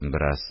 Бераз